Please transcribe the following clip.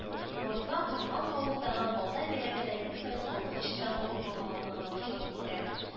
Мордва Кармалка авылындагы Балтай бәйрәме дә ел саен авыл очындагы урман аланлыгында башланып китә